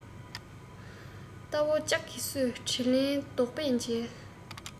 རྟ བོ ལྕགས གིས གསོས དྲིན ལན རྡོག པས འཇལ